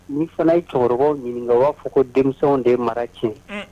Ni fana ye cɛkɔrɔba ɲininka a b'a fɔ ko denmisɛnw de mara tiɲɛ